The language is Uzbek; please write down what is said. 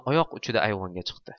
oyoq uchida ayvonga chiqdi